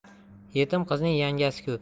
yetim qizning yangasi ko'p